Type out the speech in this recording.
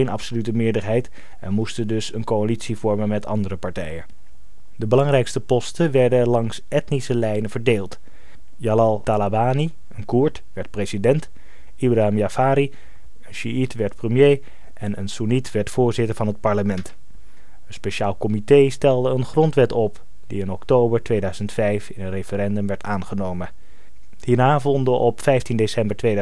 absolute meerderheid en moesten dus een coalitie vormen met andere partijen. De belangrijkste posten werden langs etnische lijnen verdeeld. Jalal Talabani (Koerd) werd president, Ibrahim Jaafari (sjiiet) werd premier en een soenniet werd voorzitter van het parlement. Een speciaal comité stelde een grondwet op, die in oktober 2005 in een referendum werd aangenomen. Hierna vonden op 15 december 2005